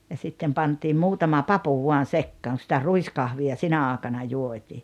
ja sitten pantiin muutama papu vain sekaan kun sitä ruiskahvia sinä aikana juotiin